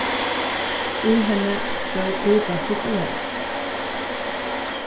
í henni stóð útvarpið seg væl